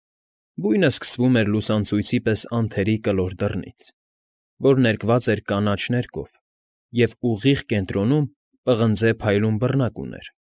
Բույնը սկսվում էր լուսանցույցի պես անթերի կլոր դռնից, որ ներկված էր կանաչ ներկով և ուղիղ կենտրոնում պղնձե փայլուն բռնակ ուներ։